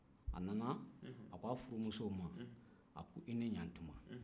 a nana a k'a furumuso ma a ko i ni yantuma